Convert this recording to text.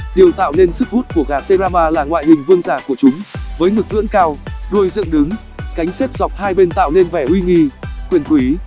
điều tạo nên sức hút của gà serama là ngoại hình vương giả của chúng với ngực ưỡn cao đuôi dựng đứng cánh xếp dọc bên tạo nên vẻ uy nghi quyền quý